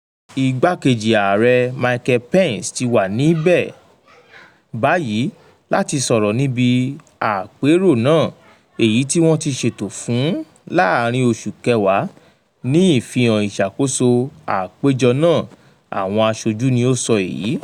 Igbákejì Ààrè Mike Pence ti wà ní níbẹ̀ bàyíì láti sọ̀rọ̀ níbi àpérò náà, èyí tí wọ́n ti ṣètò fún láàrín oṣù Kẹwàá, ní ìfihàn ìṣàkóso àpéjo náà, àwọn aṣojú ni ó sọ èyí.